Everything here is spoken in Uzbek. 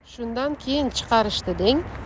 shundan keyin chiqarishdi deng